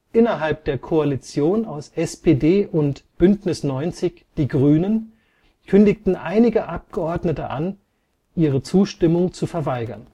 Innerhalb der Koalition aus SPD und Bündnis 90/Die Grünen kündigten einige Abgeordnete an, ihre Zustimmung zu verweigern